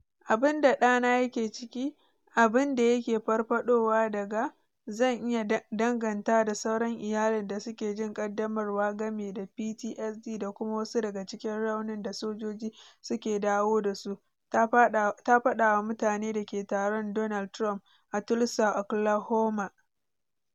“Abin da ɗana yake ciki, abin da yake farfaɗowa daga, zan iya danganta da sauran iyalan da suke jin ƙaddamarwa game da PTSD da kuma wasu daga cikin raunin da sojoji suke dawo da su, ta faɗa wa mutanen dake taron Donald Trump a Tulsa, Oklahoma.